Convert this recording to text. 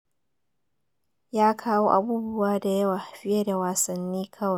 Ya kawo abubuwa da yawa fiye da wassani kawai.”